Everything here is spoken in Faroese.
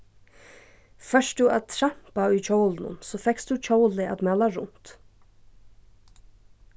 fórt tú at trampa í hjólinum so fekst tú hjólið at mala runt